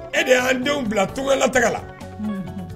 E de y'an denw bila tugan la tagala.